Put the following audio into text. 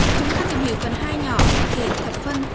chúng ta tìm hiểu phần nhỏ hệ thập phân